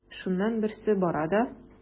Шуннан берсе бара да:.